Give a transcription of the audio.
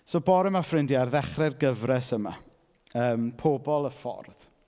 So bore 'ma ffrindiau ar ddechrau'r gyfres yma yym Pobol y Ffordd.